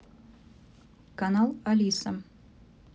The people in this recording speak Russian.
канал алиса